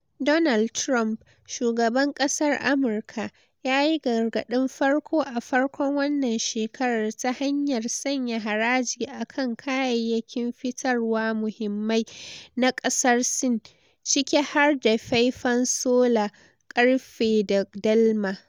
Donald Trump, shugaban ƙasar Amurka, yayi gargadin farko a farkon wannan shekarar ta hanyar sanya haraji akan kayayyakin fitarwa muhimmai na ƙasar Sin, ciki har da feifen sola, ƙarfe da dalma.